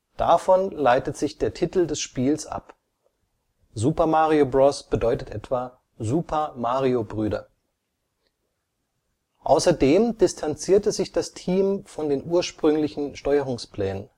Davon leitet sich der Titel des Spiels ab (Super Mario Bros. bedeutet etwa „ Super-Mario-Brüder “). Außerdem distanzierte sich das Team von den ursprünglichen Steuerungsplänen